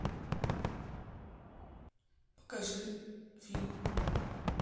покажи фильм